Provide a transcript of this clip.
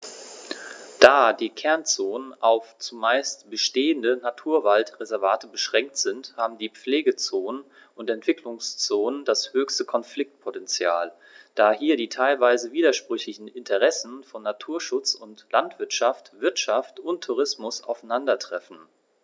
Da die Kernzonen auf – zumeist bestehende – Naturwaldreservate beschränkt sind, haben die Pflegezonen und Entwicklungszonen das höchste Konfliktpotential, da hier die teilweise widersprüchlichen Interessen von Naturschutz und Landwirtschaft, Wirtschaft und Tourismus aufeinandertreffen.